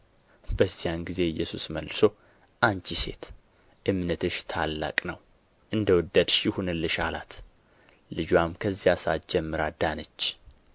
በዚያን ጊዜ ኢየሱስ መልሶ አንቺ ሴት እምነትሽ ታላቅ ነው እንደወደድሽ ይሁንልሽ አላት ልጅዋም ከዚያች ሰዓት ጀምሮ ዳነች